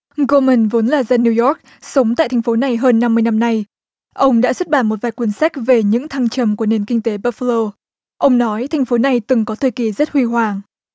gô mừn vốn là dân niu doóc sống tại thành phố này hơn năm mươi năm nay ông đã xuất bản một vài quyển sách về những thăng trầm của nền kinh tế bắp phơ lâu ông nói thành phố này từng có thời kỳ rất huy hoàng